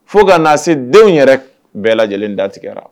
Fo ka na se denw yɛrɛ bɛɛ lajɛlen datigɛyara